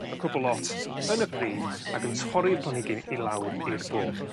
y cwbwl lot yn y pridd ac yn torri'r planhigyn i lawr i'r bôn.